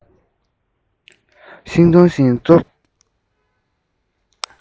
ཙོག གེར སྡོད པའི